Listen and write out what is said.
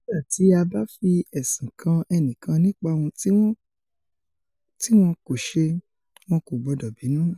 nígbà tí a báfi ẹ̀sùn kan ẹnìkan nípa ohun tí wọn kòṣe, wọn kò gbọdọ̀ bínú.